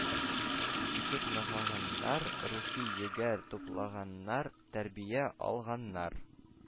Үсеп ныгыганнар, рухи егәр туплаганнар, тәрбия алганнар